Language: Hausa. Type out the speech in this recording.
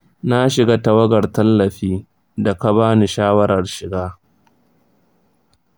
na shiga tawagar tallafi da ka ba ni shawarar shiga.